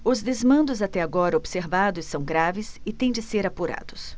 os desmandos até agora observados são graves e têm de ser apurados